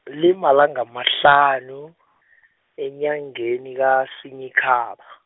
limalanga amahlanu , enyangeni kaSinyikhaba.